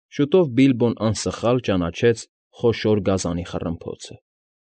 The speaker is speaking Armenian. Շուտով Բիլբոն անսխալ ճանաչեց խոշոր գազանի խռմփոցը։